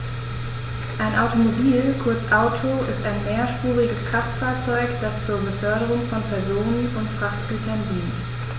Ein Automobil, kurz Auto, ist ein mehrspuriges Kraftfahrzeug, das zur Beförderung von Personen und Frachtgütern dient.